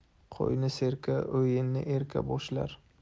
qo'yni serka o'yinni erka boshlar